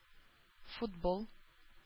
Футбол